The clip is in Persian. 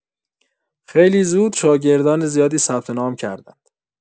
خیلی زود، شاگردان زیادی ثبت‌نام کردند.